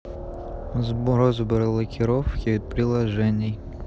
сброс блокировки приложений